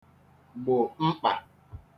gbò mkpà